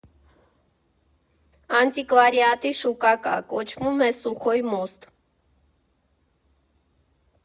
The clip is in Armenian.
Անտիկվարիատի շուկա կա, կոչվում է Սուխոյ մոստ.